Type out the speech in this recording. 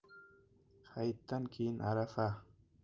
hayitdan keyin arafa